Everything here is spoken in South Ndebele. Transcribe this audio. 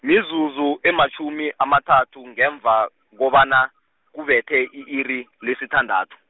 mizuzu ematjhumi amathathu ngemva, kobana, kubethe i-iri, lesithandathu.